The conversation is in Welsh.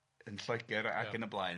yn Lloegr ac yn y blaen.